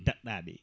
dadɗaɓe